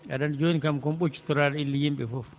aɗa anndi jooni kam ko mi ɓoccitoraaɗo inɗe yimɓe fof